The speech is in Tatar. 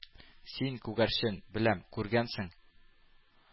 — син, күгәрчен, беләм, күргәнсең,